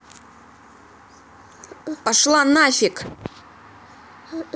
пошла нафиг